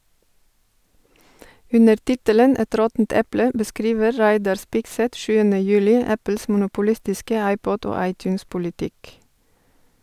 Under tittelen «Et råttent eple» beskriver Reidar Spigseth 7. juli Apples monopolistiske iPod- og iTunes-politikk.